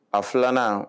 A filanan